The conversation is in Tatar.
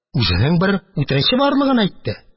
Үзенең бер үтенече барлыгын әйтте.